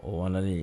O w yen